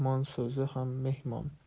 mehmon so'zi ham mehmon